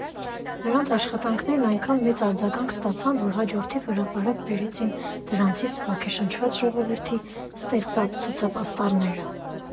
Նրանց աշխատանքներն այնքան մեծ արձագանք ստացան, որ հաջորդիվ հրապարակ բերվեցին դրանցից ոգեշնչված ժողովրդի ստեղծած ցուցապաստառները։